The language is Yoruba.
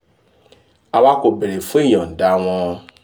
"Àwa kò bèèrè fún ìyànda wọn."